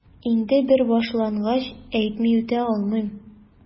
Инде бер башлангач, әйтми үтә алмыйм...